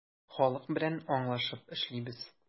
Халык белән аңлашып эшлибез.